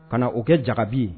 Ka na o kɛ jabi ye